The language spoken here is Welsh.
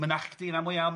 Mynachdy yn amlwg iawn.